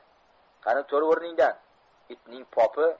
qani tur o'rningdan itning popi